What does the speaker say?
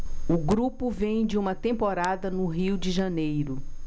o grupo vem de uma temporada no rio de janeiro